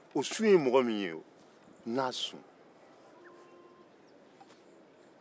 o sun ye mɔgɔ min ye nasun